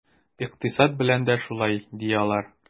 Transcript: Икътисад белән дә шулай, ди алар.